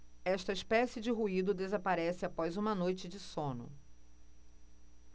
esta espécie de ruído desaparece após uma noite de sono